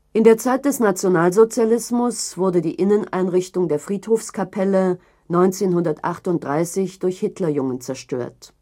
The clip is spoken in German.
In der Zeit des Nationalsozialismus wurde die Inneneinrichtung der Friedhofskapelle 1938 durch Hitlerjungen zerstört